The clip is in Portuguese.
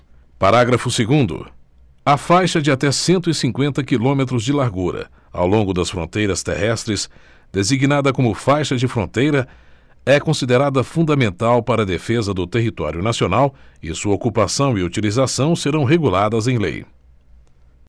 parágrafo segundo a faixa de até cento e cinqüenta quilômetros de largura ao longo das fronteiras terrestres designada como faixa de fronteira é considerada fundamental para defesa do território nacional e sua ocupação e utilização serão reguladas em lei